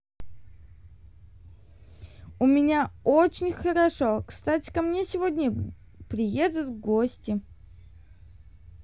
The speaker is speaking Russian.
у меня очень хорошо кстати ко мне сегодня приедут гости